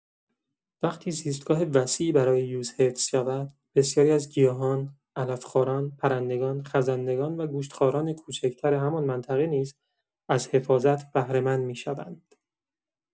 وقتی زیستگاه وسیعی برای یوز حفظ شود، بسیاری از گیاهان، علف‌خواران، پرندگان، خزندگان و گوشت‌خواران کوچک‌تر همان منطقه نیز از حفاظت بهره‌مند می‌شوند.